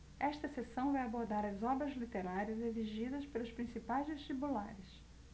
esta seção vai abordar as obras literárias exigidas pelos principais vestibulares